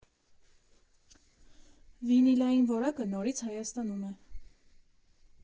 Վինիլային որակը նորից Հայաստանում է։